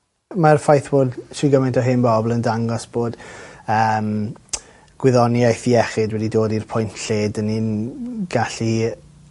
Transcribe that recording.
Mae'r fod shwd gymaint o hen bobol yn dangos bod yym <twtian gwyddoniaeth iechyd wedi dod i'r pwynt lle 'dyn ni'n gallu